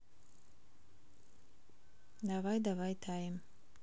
давай давай таем